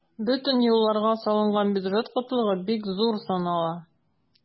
Бөтен елларга салынган бюджет кытлыгы бик зур санала.